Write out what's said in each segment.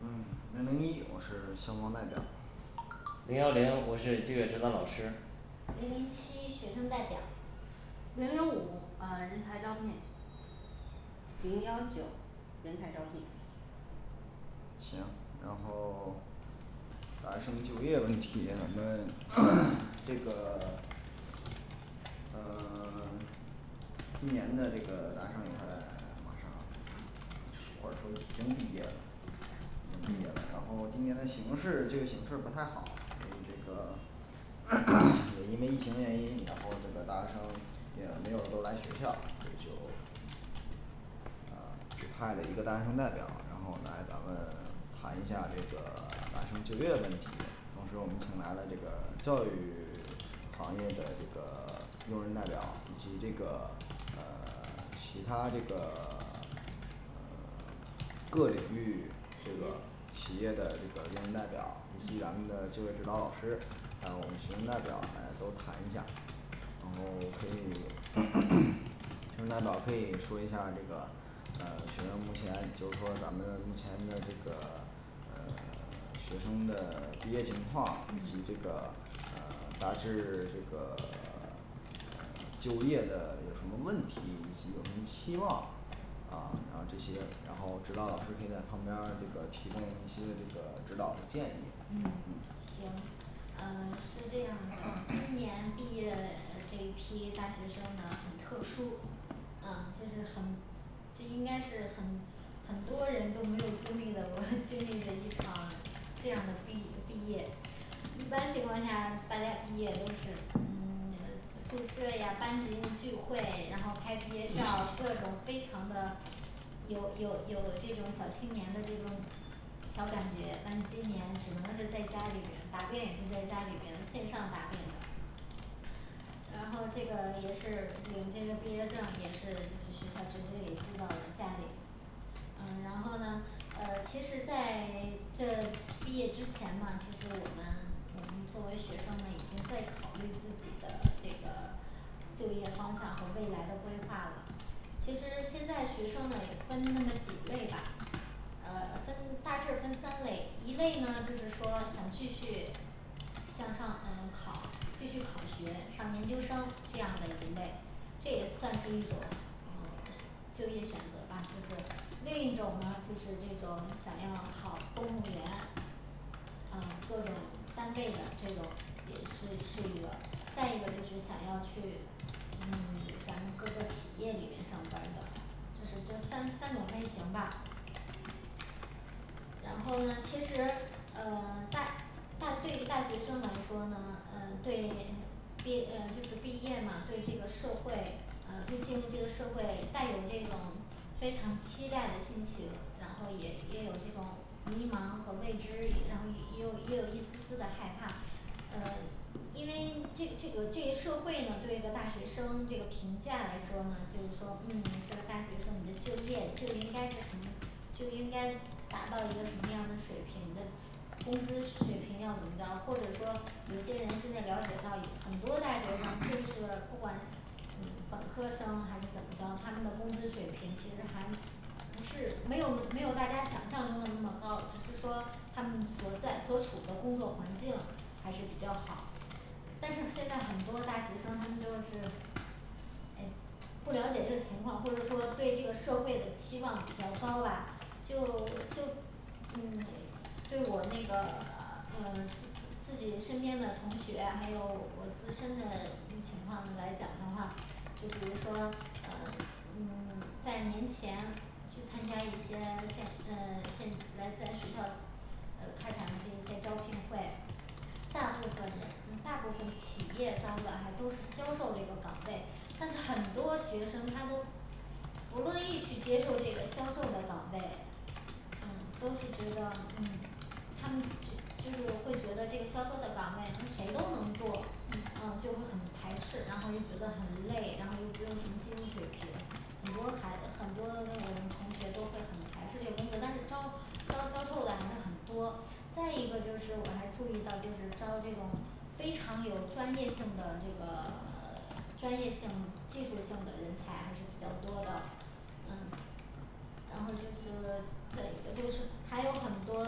嗯零零一我是校方代表零幺零我是就业指导老师零零七学生代表零零五呃人才招聘零幺九人才招聘行，然后大学生就业问题，咱们 这个 嗯 今年的这个大学生们马上 或者说已经毕业了也毕业了嗯然后今年的形势这个形势不太好，还有这个 也因为疫情原因，然后这个大学生也没有都来学校，所以就啊只派了一个大学生代表，然后来咱们谈一下儿这个大学生就业的问题，同时我们请来了这个教育 行业的这个 用人代表以及这个呃 其他这个 各领域这企业个企业的这个用人代表以及咱嗯们的就业指导老师，还有我们学生代表都谈一下然后根据 清单缴费说一下儿这个呃学生目前就是说咱们目前的这个呃 学生的职业情况以及嗯这个呃凡是这个 就业的有什么问题以及有什么期望啊然后这些，然后指导老师就在旁边儿这个提供一些这个指导和建议。嗯行嗯是这样的 今年毕业这一批大学生呢很特殊，嗯这是很这应该是很很多人都没有经历的，我 经历了一场这样的毕毕业一般情况下大家毕业都是嗯 宿舍呀班级聚会，然后拍毕业照，各种非常的有有有这种小青年的这种小感觉，但是今年只能是在家里边儿答辩，也是在家里边线上答辩的。然后这个也是领这个毕业证儿，也是就是学校直接给寄到我们家里。嗯然后呢呃其实在这毕业之前呢，其实我们我们作为学生们呢已经在考虑自己的这个就业方向和未来的规划了其实现在学生呢也分那么几类吧，呃分大致分三类，一类呢就是说想继续向上嗯考继续考学上研究生这样的一类，这也算是一种呃就业选择吧。就是另一种呢就是这种想要考公务员嗯各种单位的这种也是是一个，再一个就是想要去嗯咱们各个企业里面上班儿的这是这三三种类型吧然后呢其实呃大大对于大学生来说呢嗯对毕业 呃就是毕业嘛对这个社会呃对进入这个社会带有这种非常期待的心情，然后也也有这种迷茫和未知，然后也也有也有一丝丝的害怕呃因为这个这个这社会呢对一个大学生这个评价来说呢，就是说嗯你是个大学生，你的就业就应该是什么，就应该达到一个什么样的水平的工资水平要怎么着？或者说有些人现在了解到有很多大学生儿就 是不管嗯本科生还是怎么着，他们的工资水平其实还不是没有那 没有大家想象中的那么高，只是说他们所在所处的工作环境还是比较好。但是现在很多大学生他们就是诶不了解这个情况或者说对这个社会的期望比较高吧。就就嗯就我那个啊呃自自自己身边的同学，还有我自身的那情况来讲的话就比如说呃嗯在年前去参加一些现呃现来咱学校呃开展的这一些招聘会，大部分人嗯大部分企业招的还都是销售的一个岗位，但是很多学生他都不乐意去接受这个销售的岗位，嗯都是觉得嗯他们就 就是会觉得这个销售的岗位嗯谁都能做，嗯嗯就会很排斥，然后又觉得很累，然后又不用什么技术水平很多还呃很多我们同学都会很排斥这个工作，但是招招销售的还是很多。再一个就是我还注意到就是招这种非常有专业性的这个 专业性技术性的人才还是比较多的。嗯然后就是再一个就是还有很多，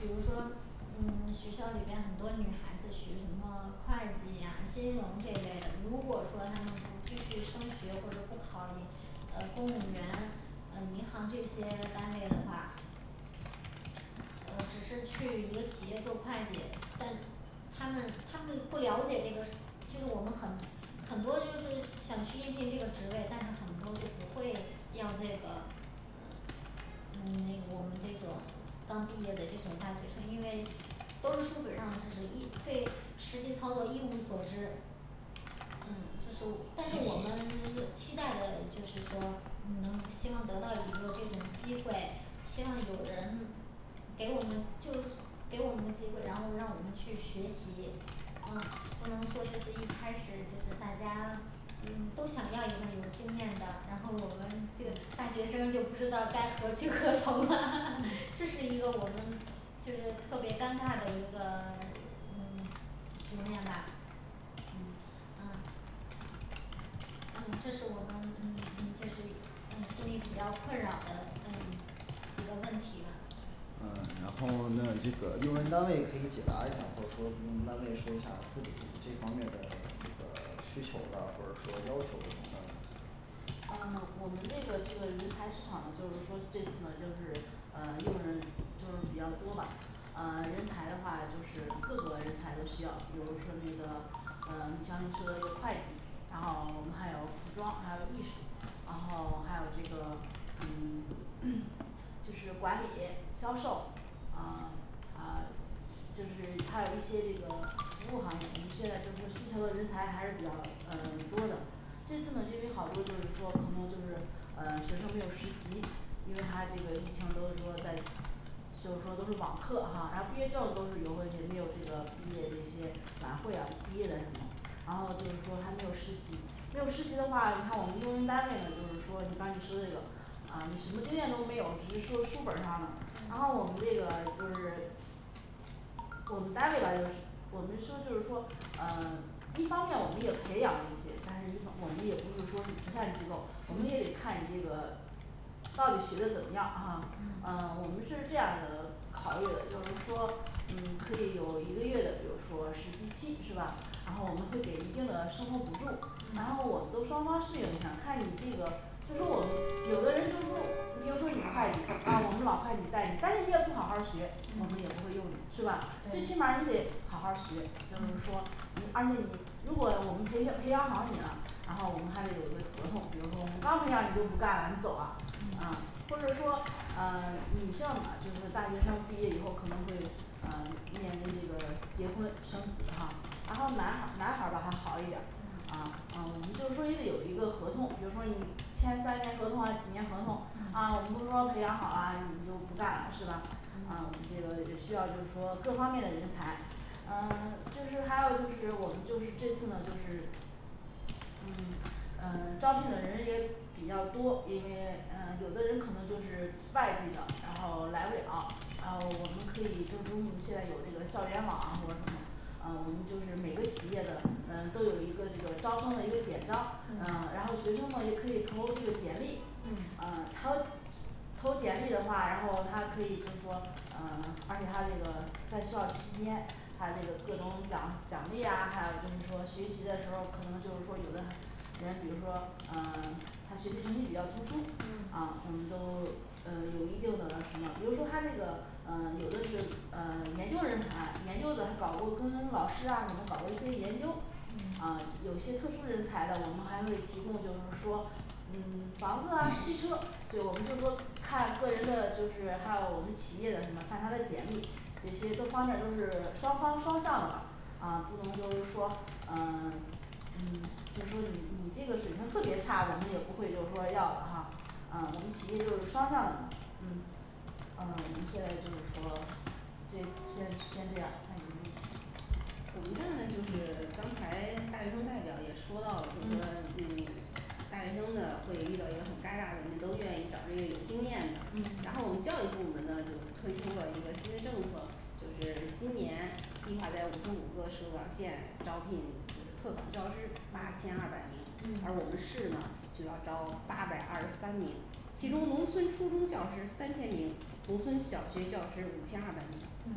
比如说嗯学校里边很多女孩子学什么会计呀金融这一类的，如果说他们不继续升学或者不考一 呃公务员呃银行这些单位的话呃只是去一个企业做会计，但她们她们不了解这个就是我们很很多就是想去应聘这个职位，但是很多就不会要这个嗯那个我们这种刚毕业的这种大学生，因为都是书本儿上的知识，一对实际操作一无所知嗯这是五但是我们 期待的就是说能希望得到一个这种机会，希望有人给我们就给我们个机会，然后让我们去学习嗯不能说就是一开始就是大家嗯都想要一个有经验的，然后我们就嗯大学生就不知道该何去何从了， 嗯这是一个我们就是特别尴尬的一个 嗯局面吧嗯呃嗯这是我们嗯嗯这是嗯心里比较困扰的嗯几个问题吧嗯然后那这个用人单位可以解答一下，或者说用人单位说一下自己这方面的呃需求啊或者说要求嗯。嗯我们这个这个人才市场呢就是说这次呢就是呃用人就是比较多吧，呃人才的话就是各个人才都需要，比如说那个呃你像你说的这个会计，然后我们还有服装，还有艺术，然后还有这个嗯 就是管理销售，呃呃就是还有一些这个服务行业，我们现在就是需求的人才还是比较啊多的。这次呢因为好多就是说可能就是呃学生没有实习，因为它这个疫情都主要在学生说都是网课哈，然后毕业证都是邮过去，没有这个毕业这些晚会啊毕业的什么，然后就是说他没有实习没有实习的话，你看我们用人单位呢就是说你刚你说这个啊你什么经验都没有，只是说书本儿上的，然嗯后我们这个就是我们单位吧就是 我们说就是说啊一方面我们也培养了一些，但是一方我们也不是说是慈善机构，我们也得嗯看你这个到底学的怎么样儿哈，嗯啊我们是这样儿的考虑的就是说嗯可以有一个月的，比如说实习期是吧？然后我们会给一定的生活补助，然嗯后我们都双方适应一下儿，看你这个就说我们有的人就是说比如说你会计 啊我们老会计带你，但是你也不好好儿学，我们嗯也不会用你是吧？最对起码儿你得好好儿学，就是嗯说你而且你如果我们培训培养好你了，然后我们还得有个合同，比如说我们刚培养你就不干了你走啊，啊嗯或者说啊女性嘛就是大学生毕业以后可能会呃面临这个结婚生子哈，然后男孩男孩儿吧还好一点儿，嗯啊嗯我们就是说也得有一个合同，比如说你签三年合同啊几年合同，啊嗯我们都说培养好啊，你你就不干了是吧？嗯啊我们这个也需要就是说各方面的人才，嗯 就是还有就是我们就是这次呢就是嗯呃招聘的人也比较多，也因为嗯有的人可能就是外地的，然后来不了，啊我们可以就中午现在有这个校园网啊或者什么，啊我们就是每个企业的嗯都有一个这个招生的一个简章，嗯嗯然后学生们也可以投投这个简历，嗯嗯投投简历的话，然后他可以就是说呃而且他这个在校期间他这个各种奖奖励啊，还有就是说学习的时候儿可能就是说有的有人比如说嗯 他学习成绩比较突出，嗯啊我们都呃有一定的什么，比如说他这个呃有的是呃研究人才研究的，是搞过跟老师啊什么搞过一些研究，嗯啊有些特殊人才的我们还会提供就是说嗯房子啊汽车，所以我们就是说看个人的，就是还有我们企业的什么看他的简历，这些多方面儿都是双方双向的吧啊不能就是说啊嗯就说你你这个水平特别差，我们也不会就是说要了哈嗯我们企业就是双向的嘛嗯呃我们现在就是说这先先这样儿看你我们这儿呢就是刚才大学生代表也说到了，就是说嗯嗯大学生呢会遇到一个很尴尬的问题，都愿意找这个有经验的，然后嗯嗯我们教育部门呢就是推出了一个新的政策，就是今年计划在五十五个市和县招聘就是特岗教师八千嗯二百名，而我嗯们市呢就要招八百二十三名其中嗯农村初中教师三千名，农村小学教师五千二百名，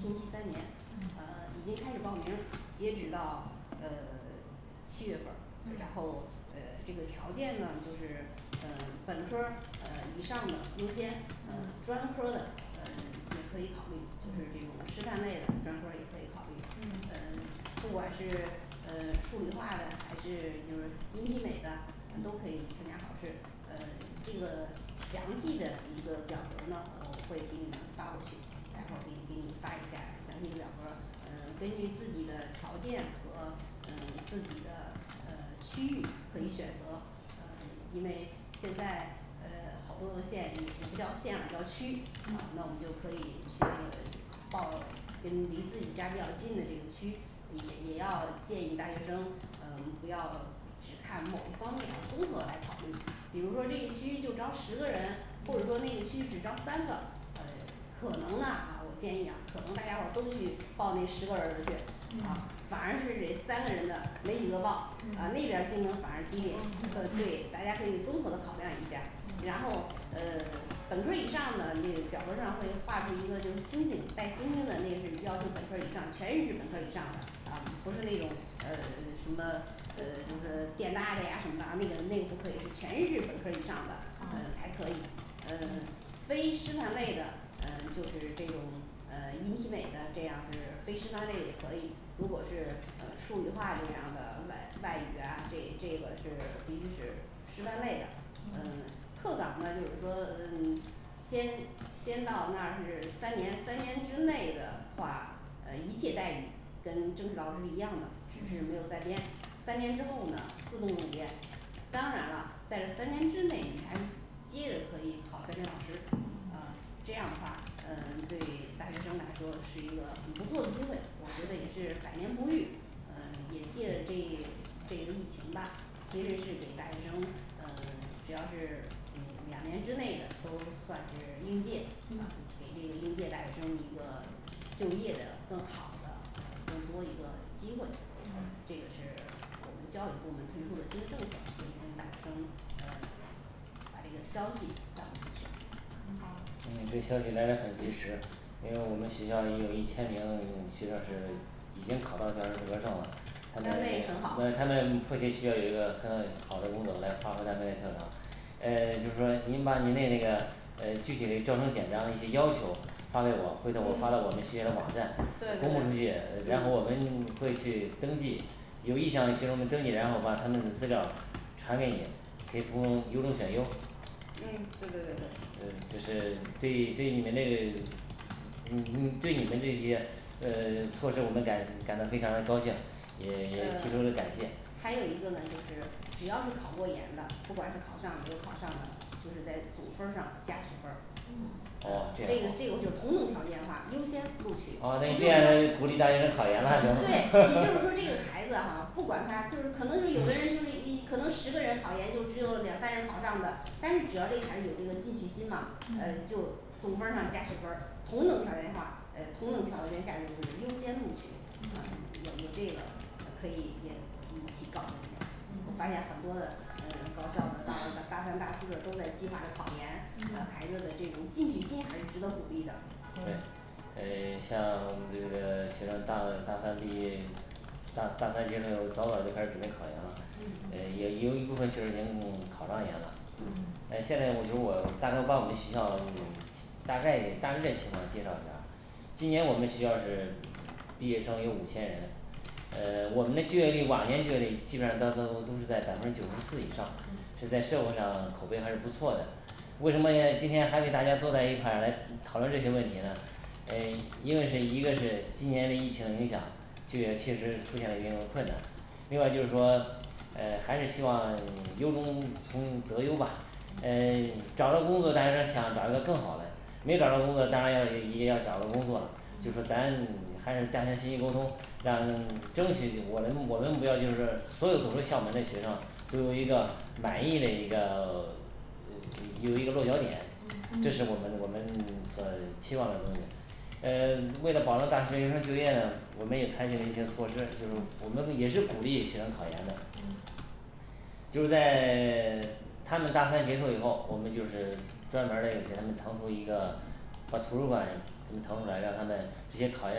偏低三年呃已经开始报名儿，截止到呃 七月份儿，然嗯后呃这个条件呢就是嗯本科儿呃以上的优先呃嗯专科儿的，呃也可以考虑比如嗯这种师范类的专科儿也可以考虑，呃嗯嗯不管是呃数理化的还是什么音体美的，都嗯可以参加考试。呃这个详细的一个表格儿呢我们会给你们发过去，然后可嗯以给你发一下儿详细表格儿，呃根据自己的条件和嗯自己的呃区域可以选嗯择，呃因为现在呃好多个县已经不叫县了叫区，好嗯那我们就可以去那个报个能离自己家比较近的这个区也也要建议大学生嗯不要只看某一方面要综合来考虑，比如说这一区就招十个人，或者嗯说那个区只招三个可能呐哈我建议啊可能大家伙儿都去报那十个人儿去，啊嗯反而是这三个人的没几个报，啊那嗯边儿竞争成反而激烈啊功率对嗯大家可以综合的考量一下儿。然嗯后呃本科儿以上呢那个表格儿上会画出一个就是星星带星星的，那是要求本科儿以上全日制本科儿以上的啊，不是那钟呃什么呃就是电大的呀什么的呀那个那个不可以是全日制本科儿以上的呃才嗯可以嗯嗯非师范类的呃就是这种呃音体美的这样儿的是非师范类也可以，如果是呃数语化这样的外外语呀这这个是必须是师范类的嗯嗯特岗呢就是说嗯先先到那儿是三年三年之内的话，啊一切待遇跟正式老师是一样的，只嗯是没有在编三年之后呢自动入编当然啦在三年之内你还接着可以考在编老师，啊嗯这样的话呃对大学生来说是一个很不错的机会，我觉得也是是百年不遇。呃也借着这一这一疫情吧，其实是给大学生嗯只要是两年之内的都算是应届啊嗯给这个应届大学生一个就业的更好的呃更多一个机会，这嗯个是我们教育部门推出的新政策，可以让大学生呃把这个消息散布出去，嗯好嗯这消息来的挺及时，因为我们学校也有一千名学生是已经考到教师资格儿证了那这也很好那他们迫切需要有一个很好的工作来发挥他们的特长。呃就是说您把您嘞那个呃具体的招生简章一些要求发给我，回头我发嗯到我们学校的网站对公布出对去，对呃然后我嗯们会去登记有意向嘞学生们我们登记，然后把他们的资料儿传给你，可以从中优中选优。嗯对对对对嗯这是对对你们那嘞嗯嗯对你们这些呃措施我们感感到非常的高兴，也也提出了呃感谢。还有一个呢就是只要是考过研的，不管是考上没有考上呢，就是在总分儿上加十分儿嗯哦这这个样这个就好是同等条件的话优先录取哦那现在鼓励大学生考研对也就了就，是说这 个孩子哈不管他就是可能是有的人就是一可能十个人考研就只有两三人考上的但是只要这孩子有这个进取心了，呃嗯就总分儿上加十分儿，同等条件化，哎同等条件下就是优先录取咱们有有这个也可以也一起告诉你嗯发嗯现很多的呃高校的大二 大三大四的都在计划着考研，呃嗯孩子的这种进取心还是值得鼓励的对对呃像这个学生大大三毕业大大三结束之后早早就开始准备考研了嗯，嗯嗯也也有一部分学生已经考上研啦嗯诶现在我就是我大概把我们学校 大概大致嘞情况介绍一下儿啊今年我们学校是毕业生有五千人呃我们的就业率往年就业率基本上到最后都是在百分之九十四以上，是嗯在社会上口碑还是不错的。为什么啊今天还给大家坐在一块儿来讨论这些问题呢呃一个是一个是今年的疫情影响就业确实出现了一定的困难，另外就是说呃还是希望优中从中择优吧，呃找到工作的当然，想找一个更好嘞没找到工作的当然要也也要找个工作了，就是嗯咱 还得加强信息沟通，让争取我嘞我嘞目标就是所有走出校门的学生都有一个满意的一个 有一个落脚点，这嗯是我嗯们我们所期望的东西呃为了保证大学生就业呢，我们也采取了一些措施，就是我嗯们也是鼓励学生考研的嗯就在 他们大三结束以后，我们就是专门儿嘞给他们腾出一个把图书馆一他们腾出来，让他们直接考研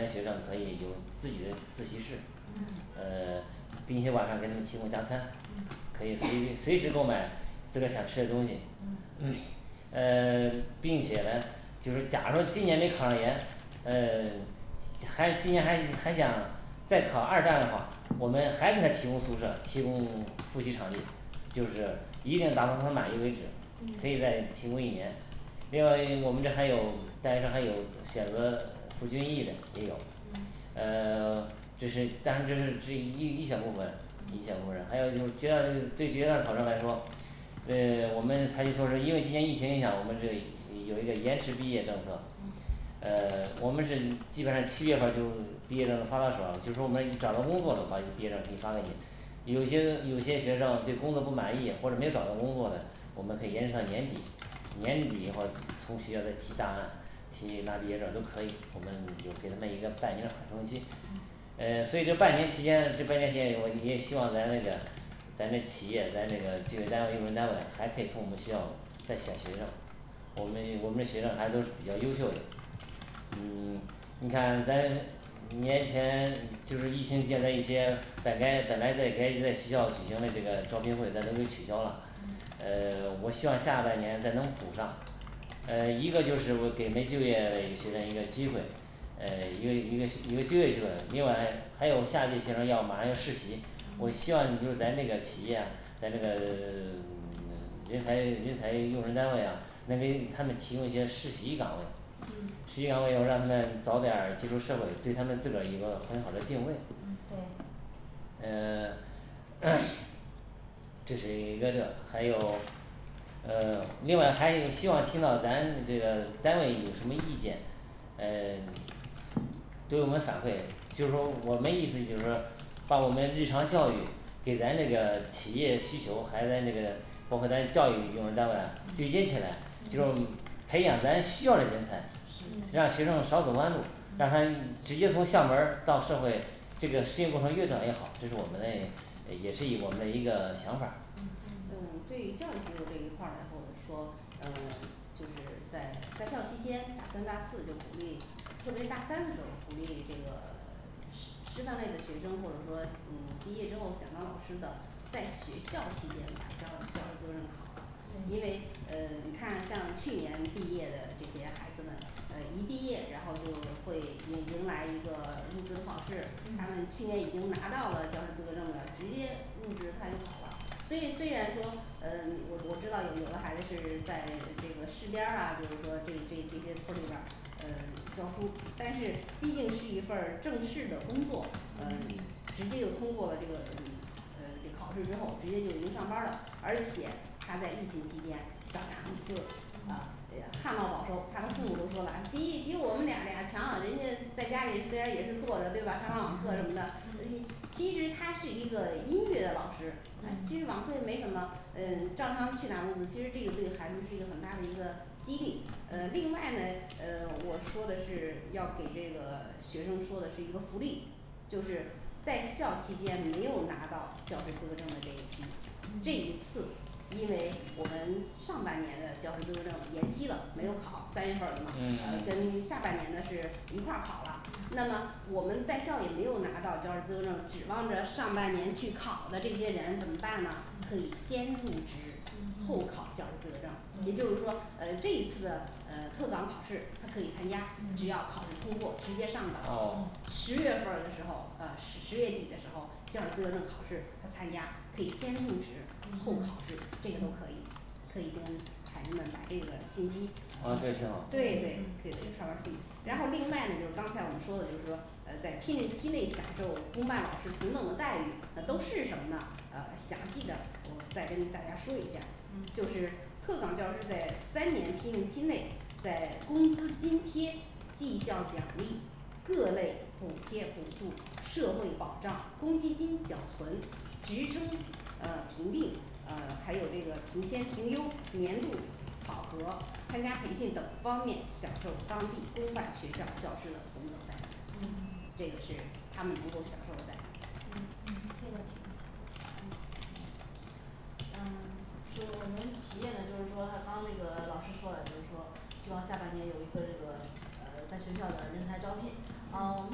的学生可以有自己的自习室嗯呃并且晚上给他们提供加餐，嗯可以随随时购买自个儿想吃的东西嗯 呃并且呢就是假如说今年没考上研呃还今年还还想再考二战的话，我们还给他宿舍提供复习场地就是一定达到他满意为止，可以再提供一年嗯可以再提供一年另外诶我们这还有大学生还有选择服军役的也有嗯呃 这是当然这是这一一小部分，一嗯小部分人，还有就是学校就是对别的考生来说对我们采取措施，因为今年疫情影响我们这里有一个延迟毕业政策嗯呃我们是基本上七月份就毕业证都发到手了，就是说我们找到工作的话，毕业证可以发给你有些有些学生对工作不满意或者没有找到工作的，我们可以延伸到年底年底以后从学校再提档案，提拿毕业证都可以，我们有给他们一个半年的缓冲期。嗯呃所以这半年期间呢这半年期间有问题，也希望咱这个咱这企业咱这个就业单位用人单位还可以从我们学校再选学生，我们我们的学生还都是比较优秀的。嗯 你看咱年前就是疫情现在一些本该本来在原有在学校举行的那个招聘会咱都给取消了嗯呃我希望下半年再能补上呃一个就是我给没就业嘞学生一个机会，呃一个一个一个就业机会，另外还有下一届学生要马上要实习，我嗯希望你就是咱那个企业啊在那个呃 人才人才用人单位啊能给他们提供一些实习岗位嗯实习岗位我让他们早点儿接触社会，对他们自个儿一个很好的定位嗯，对呃 这是一个这还有呃另外还一个希望听到咱这个单位有什么意见呃对我们反馈就是说我们意思就是说把我们日常教育给咱这个企业需求还在这个，包括咱教育用人单位啊对嗯接起来，嗯就培养咱需要的人才嗯让学生少走弯路，让嗯他直接从校门儿到社会这个适应过程越短越好，这是我们嘞也是我们的一个想法儿嗯嗯嗯对于教育机构这一块儿来和我们说，嗯就是在在校期间大三大四就鼓励特别大三的时候鼓励这个 师 师范类的学生或者说嗯毕业之后想当老师的在学校期间把教教师资格证考了，因对为呃你看像去年毕业的这些孩子们呃一毕业，然后就会迎迎来一个入职考试，他嗯们去年已经拿到了教师资格证的，直接入职它就好了所以虽然说呃我我知道有有的孩子是在这个市边儿啊就是说这这这些村里边儿呃教书，但是毕竟是一份儿正式的工作，嗯呃嗯直接就通过了这个嗯呃这个考试之后直接就已经上班儿了，而且他在疫情期间找大公司呃嗯这个旱涝保收，他的父母嗯都说了你比 比我们两家强，人家在家里虽然也是坐着对吧上上网课什么的嗯其实他是一个音乐的老师，诶嗯其实网课也没什么呃对照常去拿工资，其实这个对孩子们是一个很大的一个激励，呃另外呢呃我说的是要给这个学生说的是一个福利就是在校期间没有拿到教师资格证的这一批这嗯一次因为我们上半年的教师资格证延期了，没有嗯考，三月份儿嗯跟下半年的是一块儿考了，那嗯么我们在校也没有拿到教师资格证，指望着上半年去考的这些人怎么办呢？可以嗯先入职后考教师资格证儿，也对就是说呃这一次的呃特岗考试他可以参加，只要嗯考试通过直接上岗哦十月份儿的时候啊十月底的时候教师资格证考试他参加，可以先入职后嗯考试，这个都可嗯以可以跟孩子们把这个信息哦这挺嗯嗯好嗯，这对对对嗯然后另外呢就是刚才我们说的就是说啊在聘任期内享受公办老师同等的待遇，啊都嗯是什么呢呃详细的。我再跟大家说一下，嗯就是特岗教师在三年聘用期内，在工资、津贴、绩效奖励各类补贴补助、社会保障、公积金、缴存、职称呃评定呃还有这个评先评优、年度考核、参加培训等方面，享受当地公办学校教师的同等待遇嗯，这个是他们能够享受的待遇嗯，这个挺好的嗯，这个挺嗯呃就我们企业的就是说他刚那个老师说了就是说希望下半年有一个这个啊在学校的人才招聘，啊我们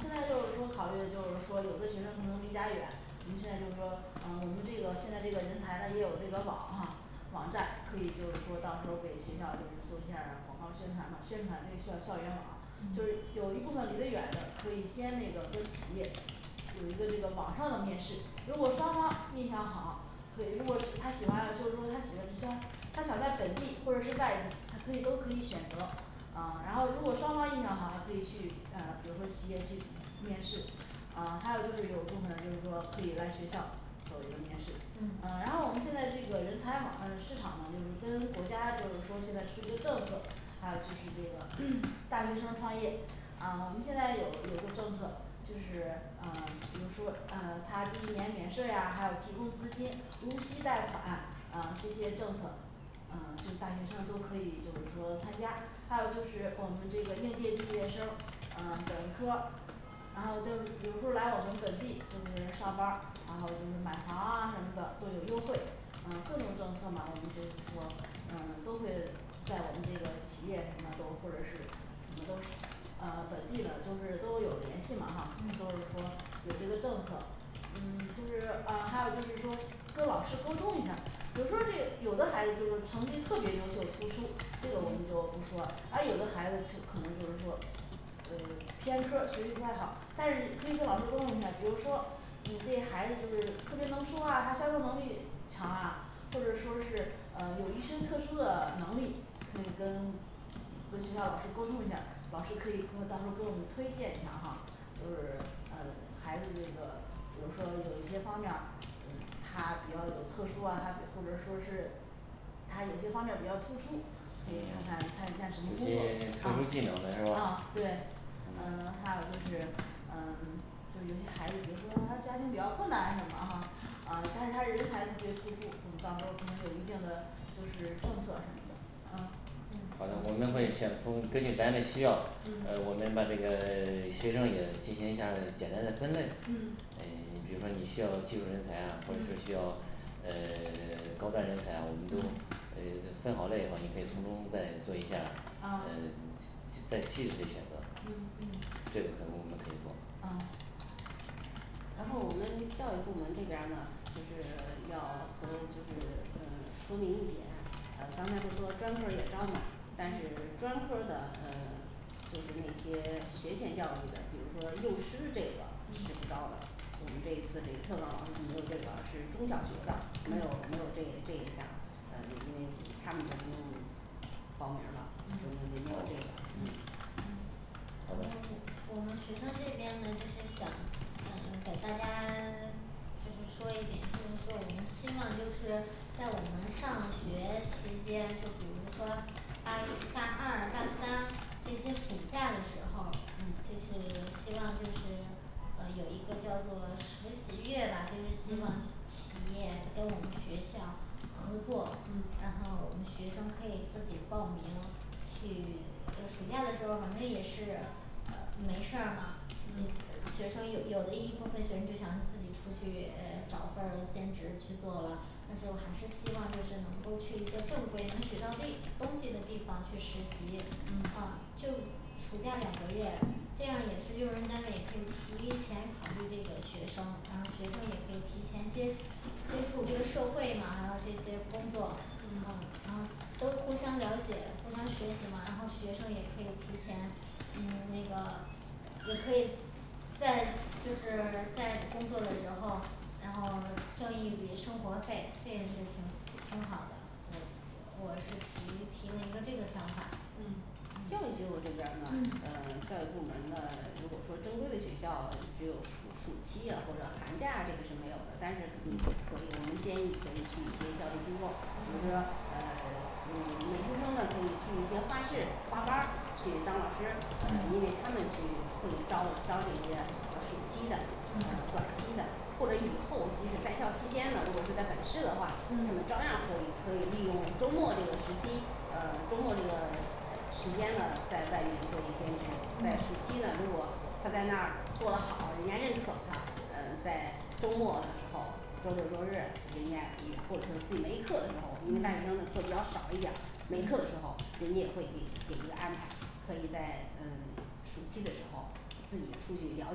现在就是说考虑的就是说有的学生可能离家远我们现在就是说啊我们这个现在这个人才呢也有这个网哈，网站，可以就是说到时候给学校就是做一下儿广告宣传嘛宣传这个需要校园网就是嗯有一部分离得远的可以先那个跟企业有一个这个网上的面试，如果双方印象好可以如果是他喜欢，就是说他喜欢他想在本地或者是外地他可以都可以选择啊然后如果双方印象好还可以去呃比如说企业去面试啊还有就是有部分就是说可以来学校做一个面试，嗯呃然后我们现在这个人才网呃市场呢就是跟国家就是说现在出一个政策还有就是这个 大学生创业，啊我们现在有有个政策，就是呃比如说呃他第一年免税啊，还有提供资金无息贷款呃这些政策呃就是大学生都可以就是说参加，还有就是我们这个应届毕业生儿，呃本科儿然后都有时候来我们本地就是上班儿然后就是买房啊什么的都有优惠啊各种政策嘛我们就是说呃都会在我们这个企业什么都或者是你们都是呃本地的就是都有联系嘛哈，就是嗯说有这个政策嗯就是啊还有说跟老师沟通一下儿，比如说这有的孩子就是成绩特别优秀突出，这个我们就不说了，而有的孩子可能就是说，呃偏科儿学习不太好，但是可以跟老师沟通一下儿，比如说你这孩子就是特别能说啊他销售能力强啊，或者说是呃有一些特殊的能力，可以跟跟学校老师沟通一下儿，老师可以到时候给我们推荐一下哈，就是啊孩子这个。 比如说有一些方面儿他比较有特殊啊，他或者说是他有些方面儿比较突出，可以看嗯看参与一下有什么工些特殊技能的是作，啊吧啊对啊还有就是呃就是一些孩子，比如说他家庭比较困难什么哈，呃但是他人才特别突出，我们到时候可能有一定的就是政策什么的啊。好的，我们会先从根据咱的需要，嗯呃我们把这个学生也进行一下儿简单的分类嗯，呃比如说你需要技术人才啊或者是需嗯要呃 高端人才啊，我们都嗯呃分分好类以后，你可以从中呃再做一下儿呃嗯再细致的选择嗯。这个可能我们可以做啊然后我们教育部门这边儿呢就是要和就是呃说明一点，呃刚才不是说专科儿也招吗，但是专科儿的呃就是那些学前教育的，比如说幼师的这个是高的我们这一次这个特岗老师是没有这个是中小学的，没有没嗯有这这一项儿嗯因为他们不用报名儿了就没没没有这个噢嗯嗯好然后的我们学生这边呢就是想呃给大家 就是说一点，就是说我们希望就是在我们上学期间，就比如说大一大二大三这些暑假的时候儿嗯，就是希望就是有一个叫做实习月吧，就是希望嗯企业跟我们学校，嗯，嗯然后我们学生可以自己报名去呃暑假的时候反正也是呃没事儿嘛，嗯有学生有有了一部分学生就想自己出去呃找份儿兼职去做了，但是我还是希望就是能够去一些正规能学到地东西的地方去实习，嗯啊就暑假两个月，这样也是用人单位也可以提前考虑这个学生，然后学生也可以提前接接触这个社会嘛，还有这些工作，然后然后都互相了解，互相学习嘛，然后学生也可以提前嗯那个也可以在就是在工作的时候，然后挣一笔生活费，这也是嗯挺挺好的。 我我是提提了一个这个想法嗯教嗯育机构这边儿呢 呃教育部门呢如果说正规的学校只有暑暑期呀或者寒假，这个是没有的，但是嗯我们建议可以去一些教育机构，比如嗯说呃 美术生呢可以去一些画室画班儿去当老师，呃因嗯为他们去会招招这些暑期的呃嗯短期的或者以后即使在校期间呢，如果是在没事的话，那么嗯照样儿可以可以利用周末这个时机呃周末这个时间呢在外面做一兼职，在暑嗯期呢如果他在那儿做的好，人家认可他呃在周末的时候，周六周日人家也或者是自己没课的时候，你们大学生的课要少一点儿没课的时嗯候人家也会给你给一个安排，可以在呃暑期的时候自己出去了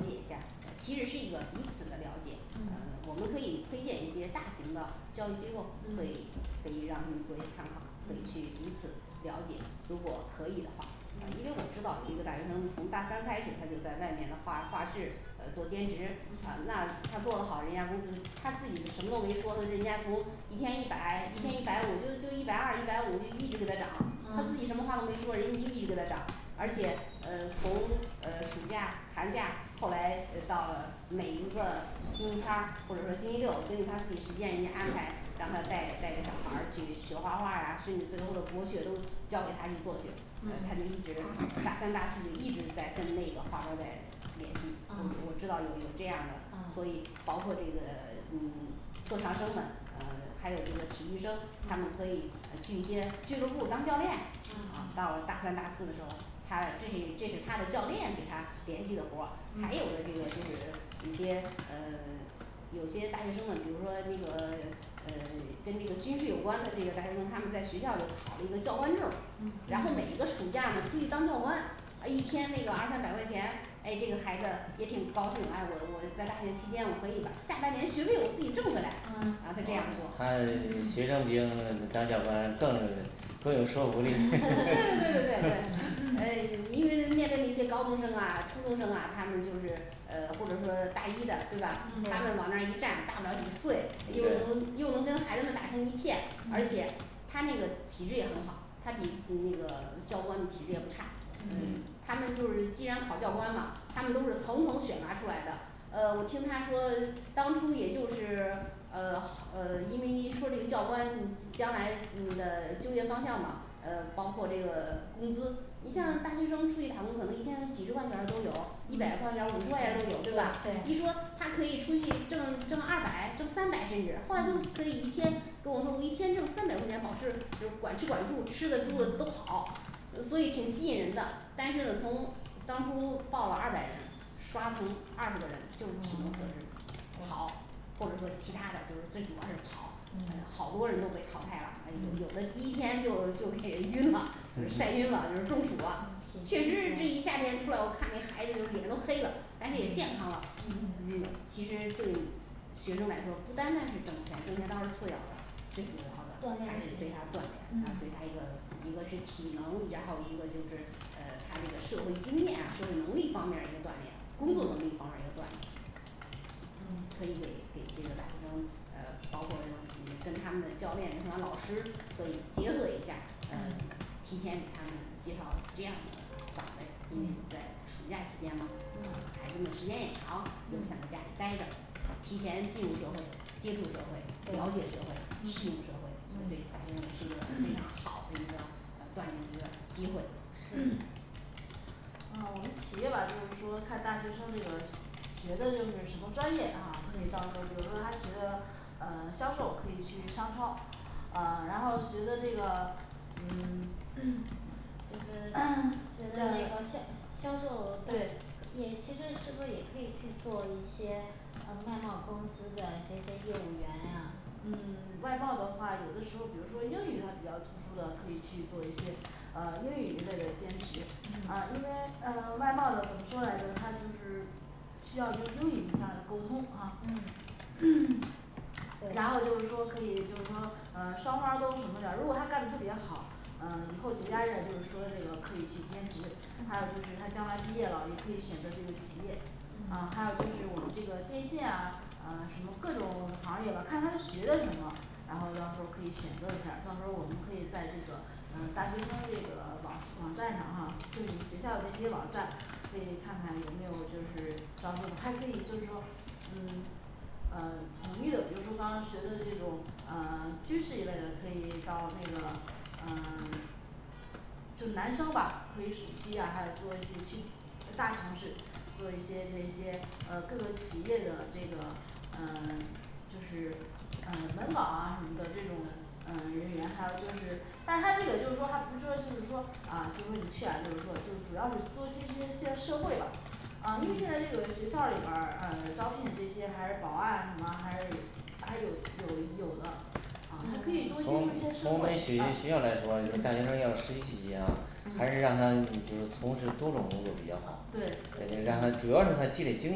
解一下，其实是一个彼此的了解，呃嗯我们可以推荐一些大型的教育机构，可嗯以可以让他们做一些参考，可以去嗯彼此了解如果可以的话，啊因为我嗯知道有一个大学生从大三开始，他就在外面的画画室，呃做兼职，啊嗯那他做得好，人家公司他自己什么都没说，他就人家从一一百一天一嗯百五就一百二 一百五就一直给他涨，他自己什嗯么话都没说，人家就一直给他涨而且呃从呃暑假寒假后来到每一个星期天儿，或者说星期六根据他自己时间安排，让他带带个小孩去学画画儿啊，甚至最后的博学都交给他去做去。呃他就嗯一直大 三大四就一直在跟那个画班儿在联系，就是我嗯知道有有这样儿的，嗯所以包括这个呃嗯特长生们，呃还有一个体育生，他们可嗯以去一些俱乐部儿当教练嗯，啊到了大三大四的时候他这是这是他的教练给他联系的活儿，还有的嗯这个就是一些呃有些大学生们，比如说那个呃跟那个军事有关的这些大学生，他们在学校里考一个教官证儿，嗯然后每嗯一个暑假呢出去当教官诶一天这个二三百块钱，诶这个孩子也挺高兴啊，我我在大学期间我可以把下半年学费我自己挣回来，呃嗯他这样做他这学生兵当教官更更有说服力。 对对对对 对嗯 ，呃因为面对那些高中生啊初中生啊，他们就是呃或者说大一的对吧？他们往那对儿一站大不了几岁，又能又能跟孩子们打成一片，而嗯且他那个体质也很好，他比比嗯那个教官的体质也不差嗯嗯他们就是既然考教官嘛，他们都是层层选拔出来的。呃我听他说当初也就是呃呃因为一说这个教官将来你的就业方向吗呃包括这个工资你像大嗯学生出去打工可能一天几十块钱儿都有一百块嗯五十块钱儿都有对吧对对一说他可以出去挣 挣二百挣三百甚至，后来嗯可以一天给我们一天挣三百块钱，保证就是管吃管住吃的住的嗯都好呃所以挺吸引人的，但是从当初报了二百人刷成，二十多人就了人跑或者说其他的就是最主要是跑，嗯好多人都被淘汰了，有嗯的第一天就就给晕了，就是晒晕了就是中暑嗯了，体确实质是不这一行夏天出来我看那个孩子脸都黑了，但是也嗯健康了嗯 。其实对学生来说不单单是挣钱，挣钱倒是次要的最主要锻的炼和还学是对习他锻炼，呃对他嗯一个一个是体能，然后一个就是呃他这个社会经验啊社会能力方面儿的一个锻炼，工作能力方面儿的一个锻炼对可以给给这个大学生呃包括跟他们的教练跟他们老师可以结合一下，嗯嗯提前给他们介绍这样的岗位，因为你嗯在暑假期间嘛呃嗯孩子们时间也长，都不想在家嗯里呆着，提前进入社会，接触社会、了解对社会、适应嗯社会，对嗯他们也是一个非常 好的一个呃锻炼的一个机会，是 呃我们企业吧就是说看大学生这个需 学的就是什么专业啊，可以到嗯时候比如说他学的呃销售可以去商超啊然后学的这个嗯学的 学的这个呃销销售，他对也其实是不是也可以去做一些呃外贸公司的这些业务员啊，嗯 外贸的话有的时候比如说英语，他比较突出的可以去做一些啊英语一类的兼职，嗯啊因为呃外贸的怎么说来着，他就是需要就是英语上沟通啊，嗯 然对后就是说可以就是说呃双方都什么点儿，如果他干得特别好呃以后节假日啊就是说这个可以去兼职，还嗯有就是他将来毕业了也可以选择这个企业啊嗯还有就是我们这个电信啊什么各种行业吧看他学的什么，然后到时候可以选择一下儿，到时候我们可以在这个嗯大学生这个网网站上哈就是你们学校的这些网站可以看看有没有就是招生，还可以就是说嗯呃统一的，比如说刚刚学的这种啊军事一类的，可以到那个呃 就是男生吧可以暑期啊还有做一些去大城市做一些这些呃各个企业的这个嗯就是嗯门岗啊什么的这种呃人员，还有就是但是他这个就是说他不是说就是说啊就是你去啊就是说就是主要是多接触一些些社会吧啊因为现嗯在这个学校里边儿呃招聘的这些还是保安啊什么还是还是有有有的啊，还可嗯以多接从触一些社从为会学 学校来说啊大学生要实习，还是让他就是从事多种工作比较好，对对让他主嗯要是他积累经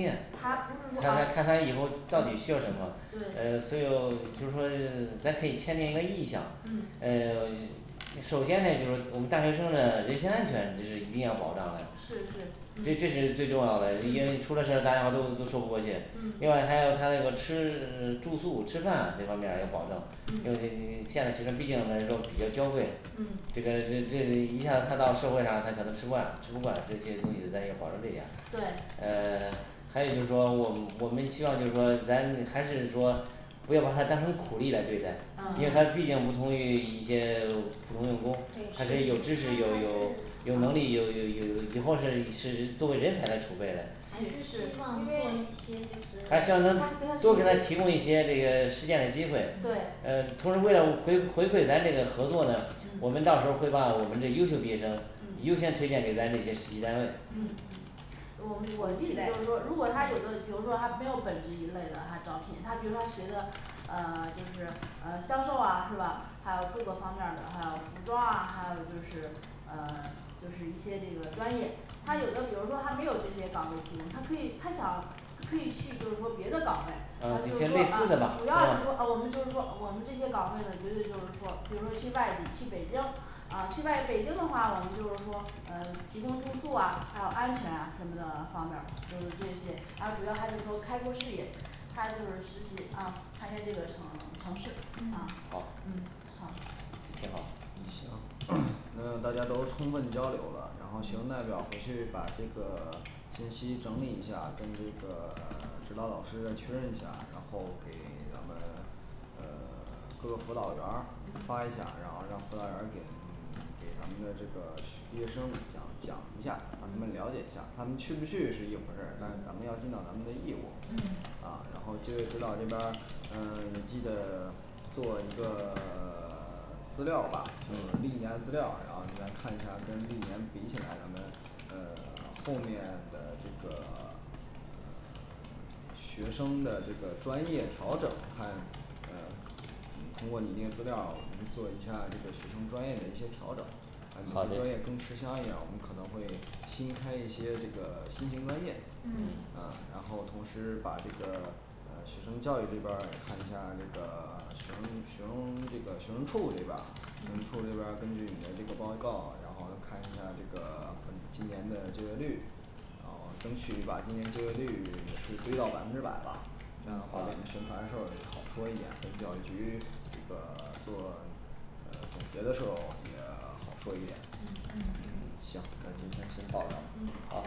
验，他不是说啊他看他以后到底需要什么。呃对最后 就是说咱可以签订一个意向嗯呃首先呢就是我们大学生呢人身安全这是一定要保障的，这这是最重要的，因为出了事大家都都说不过去。另外他要他还有吃住宿吃饭这方面儿要保证，因为这这这现在学生毕竟来说比较娇贵，这这是是嗯是最重要的，因为出嗯了事大家都都说不过去。另嗯外他要他还有吃住宿吃饭这方面儿要保证，因为嗯这这这现在学生毕竟来说比较娇贵，嗯这个这个这个这一下子看到社会上他可能吃惯吃不惯这些东西，咱要保证这一点儿。对呃 还有就是说我我们希望就是说咱还是说不要把他当成苦力来对嗯待，因为他毕对嗯竟不同于一些普通用工，还他们还是有知是是识有有是有能力，有有有有有以后嘞是作为人才来储备还是希望做嘞，是是因为一些还希就是望能多给他提供一些这个实践的机会，对呃同时为了回回馈咱这个合作呢，我们嗯到时候会把我们的优秀毕业生优嗯先推荐给咱那些实习单位。嗯嗯嗯我我意思就是说如果他有的比如说他没有本职一类的，他招聘，他比如说他学的呃就是呃销售啊是吧？还有各个方面儿的，还有服装啊，还有就是呃就是一些这个专业，他有的比如说他没有这些岗位提供，他可以他想他可以去就是说别的岗位，嗯那就就是说是说类似的岗啊主要就是说呃我位们就是说我们这些岗位呢绝对就是说比如说去外地去北京啊去外北京的话，我们就是说呃提供住宿啊还有安全啊什么的方面儿吧就是这些，还有主要他就是说开阔视野，他就是实习啊参加这个城城市 嗯嗯好好挺好嗯行 那大家都充分交流了，然后学嗯生代表回去把这个信息整理一下儿，跟这个 指导老师确认一下儿然后给咱们呃各个辅导员儿嗯发一下，然后让辅导员儿给给咱们的这个学生讲讲一下儿，你们嗯了解一下儿他们去不去是一回事儿，但是咱嗯们要尽到咱们的义务嗯啊。然后就业指导这边儿呃记得做一个 资料儿吧嗯历年资料，然后再看一嗯下跟历年比起来，咱们嗯后面的这个 呃 学生的这个专业调整，看呃通过你那个资料儿，我们做一下儿这个学生专业的一些调整，啊你好们的的专业更吃香一点儿，我们可能会新开一些这个新型专业嗯，啊然后同时把这个呃学生教育这边儿看一下儿这个，学生学生这个学生处这边儿学生处嗯这边儿根据你的这个报告，然后看一下儿这个今年的就业率然后争取把今年就业率是低到百分之百啊，这样的嗯话好咱们宣的传的时候也好说一点儿，跟教育局这个做呃总结的时候那个好说一点嗯嗯嗯，行，那今天先到这儿好嗯